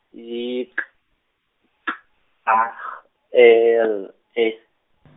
I K, K, A G, E L E .